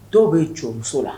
Dɔw bɛ jɔmuso la